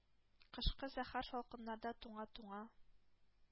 Кышкы зәһәр салкыннарда туңа-туңа...